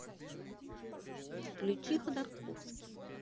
включи ходорковский